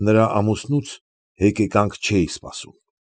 Նրա ամուսնուց հեկեկանք չէի սպասում։